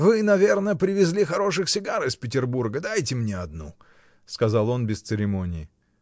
— Вы, верно, привезли хороших сигар из Петербурга: дайте мне одну, — сказал он без церемонии.